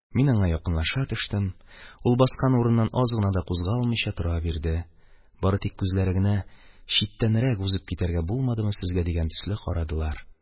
Мин аңа якынлаша төштем, ул баскан урыныннан аз гына да кузгалмыйча тора бирде, бары тик күзләре генә «Читтәнрәк узып китәргә булмадымы сезгә?» дигән төсле карадылар.